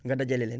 nga dajale leen